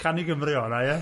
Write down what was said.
Can i Gymru o honna, ie?